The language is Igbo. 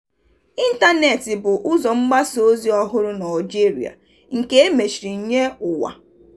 Intaneti bụ ụzọ mgbasa ozi ọhụrụ n'Algeria nke emechiri nye ụwa.